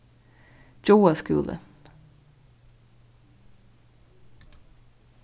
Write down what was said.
gjáar skúli